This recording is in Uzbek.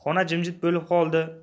xona jimjit bo'lib qoldi